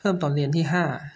เพิ่มตอนเรียนที่ห้า